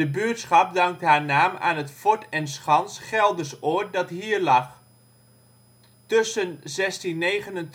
buurtschap dankt haar naam aan het fort en schans Geldersoord dat hier lag. Tussen 1629 en 1672